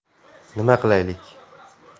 nima qilaylik